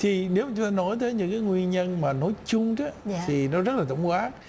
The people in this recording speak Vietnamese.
thì nếu như ta nói tới những nguyên nhân mà nói chung thì nó rất là rộng quá